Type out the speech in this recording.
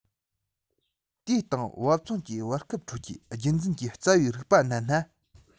དེའི སྟེང བབ མཚུངས ཀྱི བར སྐབས ཁྲོད ཀྱི རྒྱུད འཛིན གྱི རྩ བའི རིགས པ བསྣན ན